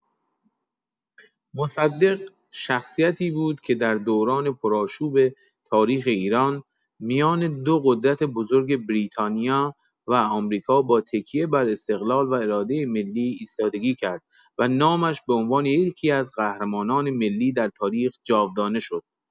مصدق شخصیتی بود که در دوران پرآشوب تاریخ ایران، میان دو قدرت بزرگ بریتانیا و آمریکا با تکیه بر استقلال و اراده ملی ایستادگی کرد و نامش به‌عنوان یکی‌از قهرمانان ملی در تاریخ جاودانه شد.